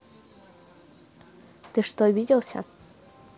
ты что обиделся